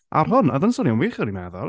ar hwn, oedd e'n swnio'n wych o'n i'n meddwl.